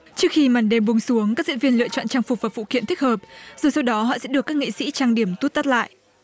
trước khi màn đêm buông xuống các diễn viên lựa chọn trang phục và phụ kiện thích hợp rồi sau đó họ sẽ được các nghệ sĩ trang điểm tút tát lại